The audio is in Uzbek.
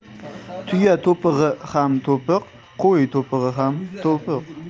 tuya to'pig'i ham to'piq qo'y to'pig'i ham to'piq